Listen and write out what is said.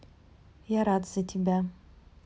я рада тебя